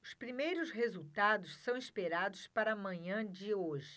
os primeiros resultados são esperados para a manhã de hoje